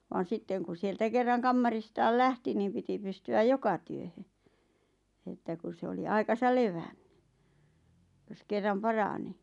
vaan sitten kun sieltä kerran kamaristaan lähti niin piti pystyä joka työhön että kun se oli aikansa levännyt jos kerran parani